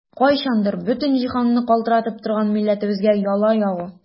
Кайчандыр бөтен җиһанны калтыратып торган милләтебезгә яла ягу!